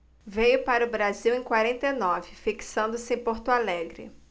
veio para o brasil em quarenta e nove fixando-se em porto alegre